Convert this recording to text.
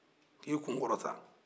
a y'i kun kɔrɔta